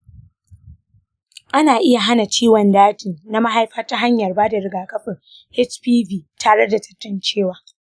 ana iya hana ciwon daji na mahaifa ta hanyar ba da rigakafin hpv tare da tantancewa.